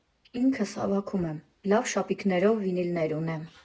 Ինքս հավաքում եմ, լավ շապիկներով վինիլներ ունեմ։